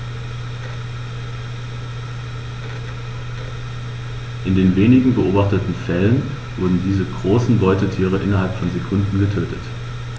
In den wenigen beobachteten Fällen wurden diese großen Beutetiere innerhalb von Sekunden getötet.